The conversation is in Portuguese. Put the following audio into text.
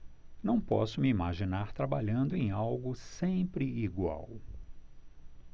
não posso me imaginar trabalhando em algo sempre igual